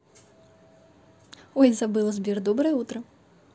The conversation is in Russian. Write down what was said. ой забыла сбер доброе утро